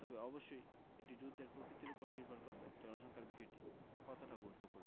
তবে অবশ্যই এটি যুদ্ধের প্রকৃতির ওপর নির্ভর করবে জনসংখ্যার বিষয়টি কতটা গুরুত্বপূর্ণ